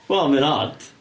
Wel, mae o'n od.